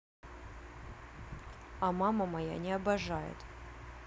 а мама моя не обожает